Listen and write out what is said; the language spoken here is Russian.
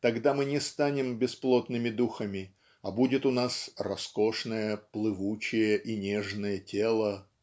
тогда мы не станем бесплотными духами а будет у нас "роскошное плывучее и нежное тело"